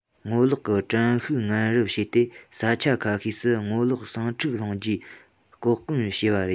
ངོ ལོག གི དྲག ཤུགས ངན རུབ བྱས ཏེ ས ཆ ཁ ཤས སུ ངོ ལོག ཟིང འཁྲུག སློང རྒྱུའི ལྐོག བཀོད བྱས པ རེད